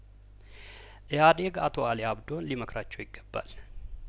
ኢህአዴግ አቶ አሊ አብዶን ሊመክራቸው ይገባል